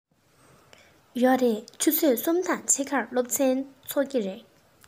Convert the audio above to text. ཡོད རེད ཆུ ཚོད གསུམ དང ཕྱེད ཀར སློབ ཚན ཚུགས ཀྱི རེད